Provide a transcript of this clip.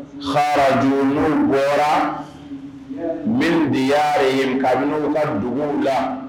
Farad bɔra min de y'a ye kabini ka dugu la